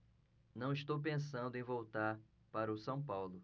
não estou pensando em voltar para o são paulo